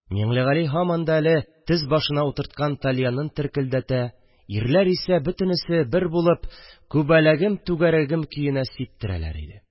Миңлегали һаман да әле тез башына утырткан тальянын теркелдәтә, ирләр исә бөтенесе бер булып «Күбәләгем-түгәрәгем» көенә сиптерәләр иде.